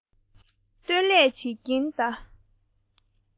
སྟོན ལས བྱེད ཀྱིན གདའ